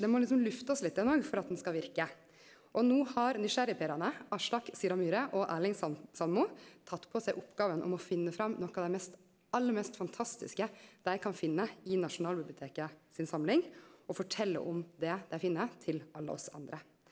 den må liksom luftast litt den òg for at den skal verke og no har nysgjerrigperane Aslak Sira Myhre og Erling Sandmo tatt på seg oppgåva om å finne fram noko av det mest aller mest fantastiske dei kan finne i Nasjonalbiblioteket si samling og fortelje om det dei finn til alle oss andre.